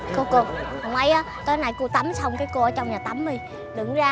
cô cô hông mấy á tối nay cô tắm xong kí cô ở trong nhà tắm đi đừng có ra